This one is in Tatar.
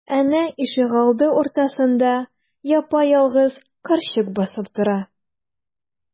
Әнә, ишегалды уртасында япа-ялгыз карчык басып тора.